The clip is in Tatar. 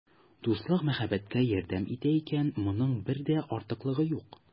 Дуслык мәхәббәткә ярдәм итә икән, моның бер дә артыклыгы юк.